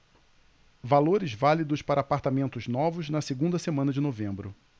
valores válidos para apartamentos novos na segunda semana de novembro